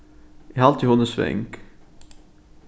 eg haldi hon er svang